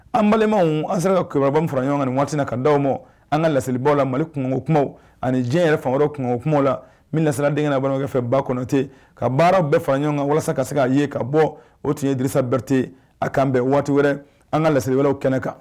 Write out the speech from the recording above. An balima an sera ka kiba fara ɲɔgɔn kan waati na kan dianw ma an ka laslibɔ la mali kun kuma ani diɲɛ yɛrɛ fan wɛrɛ kungo kuma la min na siranren denkɛbanafɛ ba kɔnɔtɛ ka baaraw bɛɛ fara ɲɔgɔn kan walasa ka se k' a ye ka bɔ o tun ye disa berete a k kanan bɛn waati wɛrɛ an ka laslikɛlaw kɛnɛ kan